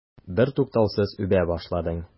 Бертуктаусыз үбә башладың.